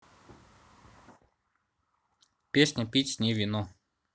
песня пить с ней вино